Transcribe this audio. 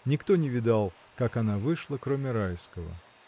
Никто не видал, как она вышла, кроме Райского.